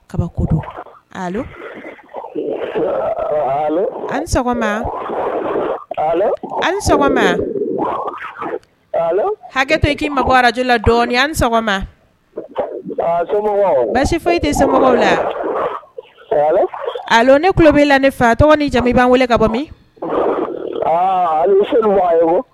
Kaba don an sɔgɔma an sɔgɔma hakɛ i k'i mabɔ arajulala dɔn an sɔgɔma basi foyi i tɛ se la a ne tulo bɛi la ne fa tɔgɔ ni jamu b' wele ka bɔ min